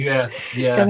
Ie ie.